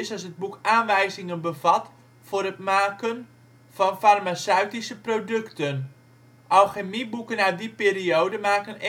het boek aanwijzingen bevat voor het maken van farmaceutische producten. Alchemieboeken uit die periode maken